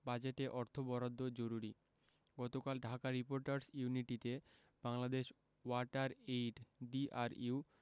বাজেটে অর্থ বরাদ্দ জরুরি গতকাল ঢাকা রিপোর্টার্স ইউনিটিতে বাংলাদেশ ওয়াটার এইড ডিআরইউ